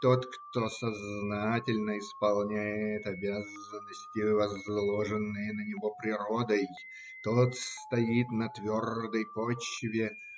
Тот, кто сознательно исполняет обязанности, возложенные на него природой, тот стоит на твердой почве